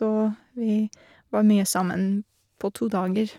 Og vi var mye sammen på to dager.